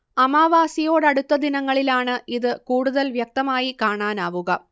അമാവാസിയോടടുത്ത ദിനങ്ങളിലാണ് ഇത് കൂടുതൽ വ്യക്തമായി കാണാനാവുക